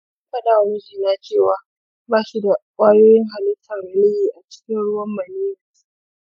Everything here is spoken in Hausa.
an faɗa wa mijina cewa bashi da ƙwayoyin halittar maniyyi a cikin ruwan maniyyinsa.